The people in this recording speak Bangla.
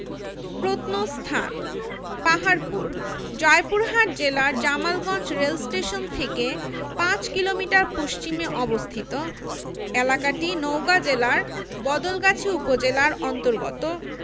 প্রত্নস্থানঃ পাহাড়পুর জয়পুরহাট জেলার জামালগঞ্জ রেলস্টেশন থেকে ৫ কিলোমিটার পশ্চিমে অবস্থিত এলাকাটি নওগাঁ জেলার বদলগাছি উপজেলার অন্তর্গত